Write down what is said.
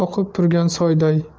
oqib turgan soyday